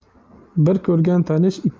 bir ko'rgan tanish